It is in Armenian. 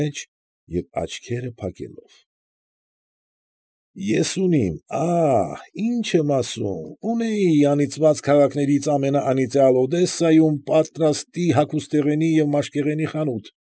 Մեջ և աչքերը փակելով։ ֊ Ես ունիմ, ա՛հ, ի՛նչ եմ ասում, ունեի անիծված քաղաքներից ամենաանիծյալ Օդեսայում պատրաստի հագուստեղենի և մաշկեղենի խանութ։